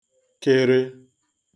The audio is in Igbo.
Kere